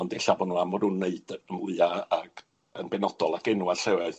Ond ella bo' nw am fo' nhw'n wneud mwya ac yn benodol ac enwa' lleoedd.